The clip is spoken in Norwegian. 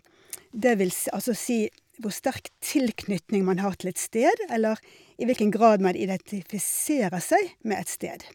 Det vil s altså si hvor sterk tilknytning man har til et sted, eller i hvilken grad man identifiserer seg med et sted.